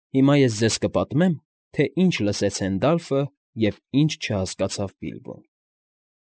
Հիմա ես ձեզ կպատմեմ, թե ինչ լսեց Հենդալֆը և ինչ չհասկացավ Բիլբոն։